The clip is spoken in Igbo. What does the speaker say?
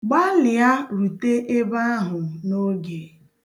Gbalịa rute ebe ahụ n'oge.